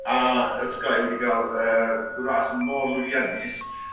a yy Sky wedi ga'l yy ras mor lwyddiannus